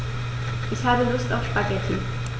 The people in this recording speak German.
Ich habe Lust auf Spaghetti.